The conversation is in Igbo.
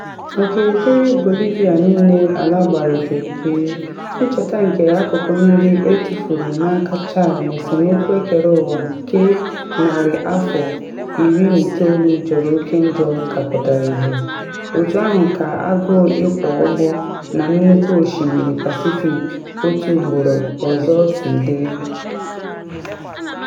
N’okirikiri Bolivia niile ala gbara okirikiri, ncheta nke akụkụ mmiri etufuru n’aka Chile n’esemokwu ekereụwa nke narị afọ 19 jọrọ oke njọ ka pụtara ihie - otu ahụ ka agụụ ịkwọ ụgbọ na Nnukwu Osimiri Pasifik otu ugboro ọzọ si dị.